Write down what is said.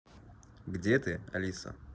где ты алиса